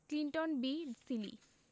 Clinton B Seely